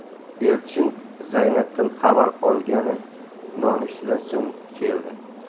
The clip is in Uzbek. elchin zaynabdan xabar olgani nonushtadan so'ng keldi